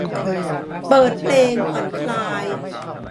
เปิดเพลงผ่อนคลาย